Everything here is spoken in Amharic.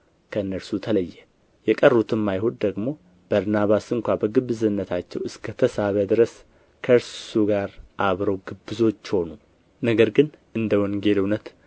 ከእነርሱ ተለየ የቀሩትም አይሁድ ደግሞ በርናባስ ስንኳ በግብዝነታቸው እስከ ተሳበ ድረስ ከእርሱ ጋር አብረው ግብዞች ሆኑ ነገር ግን እንደ ወንጌል እውነት